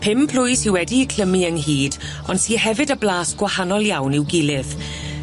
Pum plwy sy wedi'i clymu ynghyd ond sy hefyd â blas gwahanol iawn i'w gilydd.